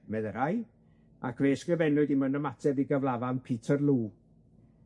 medde rai, ac fe ysgrifennwyd 'i mewn ymateb i gyflafan Peterloo.